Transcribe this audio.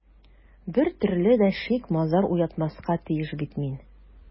Бер төрле дә шик-мазар уятмаска тиеш бит мин...